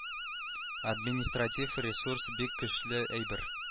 Административ ресурс бик көчле әйбер